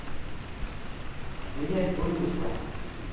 привет джоюшка